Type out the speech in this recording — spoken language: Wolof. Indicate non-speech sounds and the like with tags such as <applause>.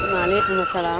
<noise> maaleykum salaam